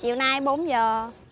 chiều nay bốn giờ